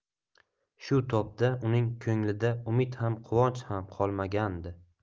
shu topda uning ko'nglida umid ham quvonch ham qolmagandi